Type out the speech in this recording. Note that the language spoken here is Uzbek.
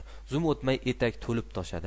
zum o'tmay etak to'lib toshadi